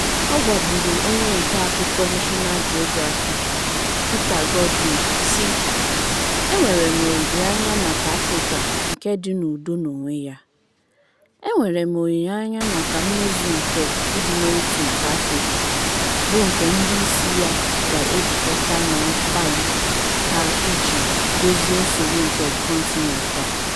Ọ gwaburu onye ntaakụkọ National Geographic, Peter Godwin, sị, "Enwere m olileanya maka Afrịka nke dị n'udo n'onwe ya ... Enwere m olileanya maka mmezu nke ịdị n'otu nke Afrịka, bụ́ nke ndị isi ya ga-ejikọta na mgbalị ha iji dozie nsogbu nke kọntinent a.